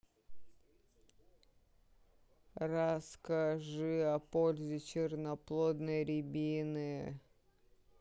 расскажи о пользе черноплодной рябины